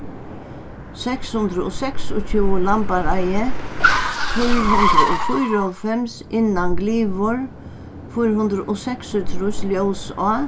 seks hundrað og seksogtjúgu lambareiði fýra hundrað og fýraoghálvfems innan glyvur fýra hundrað og seksogtrýss ljósá